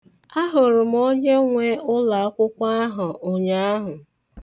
Ahụrụ m onyenwe ụlọakwụkwọ ahụ ụnyaahụ.